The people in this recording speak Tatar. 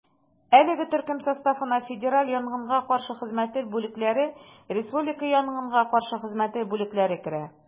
Әлеге төркем составына федераль янгынга каршы хезмәте бүлекләре, республика янгынга каршы хезмәте бүлекләре керә.